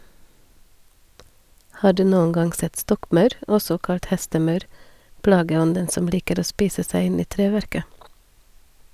Har du noen gang sett stokkmaur, også kalt hestemaur, plageånden som liker å spise seg inn i treverket?